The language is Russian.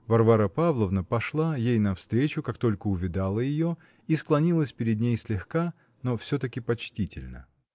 Варвара Павловна пошла ей навстречу, как только увидала ее, и склонилась перед ней слегка, но все-таки почтительно.